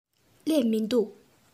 སླེབས མི འདུག